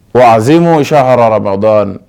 Bon a semoc haraba